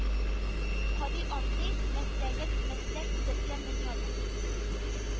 Һади абзый мәсләген мәсләк дидерткән дөньядыр